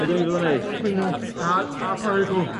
Be' 'dan ni feddwl neu'? Yym chwynna a a palu 'cw.